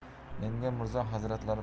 menga mirzo hazratlari